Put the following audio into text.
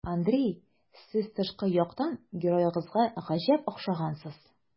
Андрей, сез тышкы яктан героегызга гаҗәп охшагансыз.